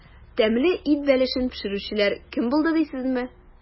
Тәмле ит бәлешен пешерүчеләр кем булды дисезме?